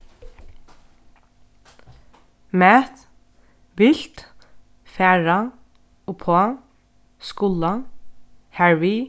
math vilt fara uppá skula harvið